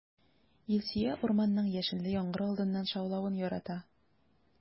Илсөя урманның яшенле яңгыр алдыннан шаулавын ярата.